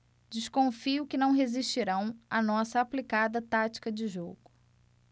desconfio que não resistirão à nossa aplicada tática de jogo